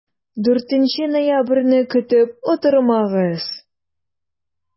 4 ноябрьне көтеп утырмагыз!